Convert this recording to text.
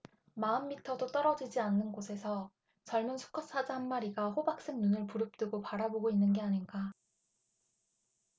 마흔 미터도 떨어지지 않은 곳에서 젊은 수컷 사자 한 마리가 호박색 눈을 부릅뜨고 바라보고 있는 게 아닌가